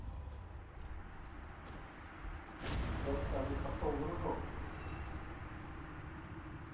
сейчас скажут пошел дружок